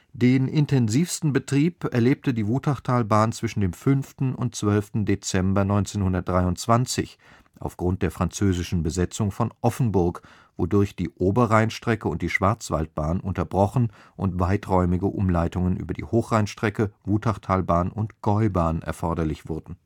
Den intensivsten Betrieb erlebte die Wutachtalbahn zwischen dem 5. und 12. Dezember 1923 aufgrund der französischen Besetzung von Offenburg, wodurch die Oberrheinstrecke und die Schwarzwaldbahn unterbrochen und weiträumige Umleitungen über die Hochrheinstrecke, Wutachtalbahn und Gäubahn erforderlich wurden